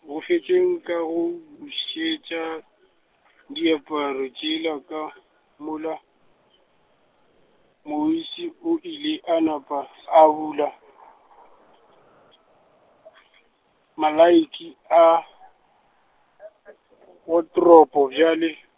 go fetšeng ka go bušetša , diaparo tšela ka mola, Moiši o ile a napa a bula , malaiki a, watropo bjale.